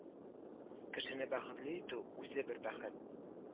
Кешене бәхетле итү - үзе бер бәхет